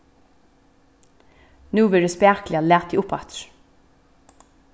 nú verður spakuliga latið upp aftur